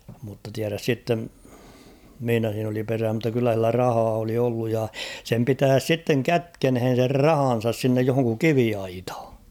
mutta tiedä sitten missä siinä oli perää mutta kyllä sillä rahaa oli ollut ja sen pitäisi sitten kätkeneen sen rahansa sinne johonkin kiviaitaan